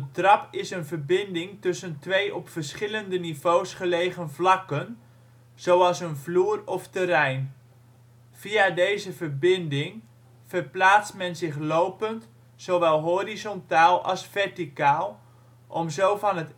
trap is een verbinding twee tussen op verschillende niveaus gelegen vlakken, zoals een vloer of terrein. Via deze verbinding verplaatst men zich lopend zowel horizontaal als verticaal, om zo van het